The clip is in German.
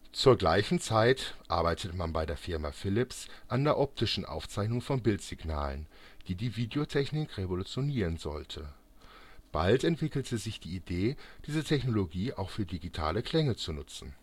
Zur gleichen Zeit arbeitete man bei der Firma Philips an der optischen Aufzeichnung von Bildsignalen, die die Videotechnik revolutionieren sollte. Bald entwickelte sich die Idee, diese Technologie auch für digitale Klänge zu nutzen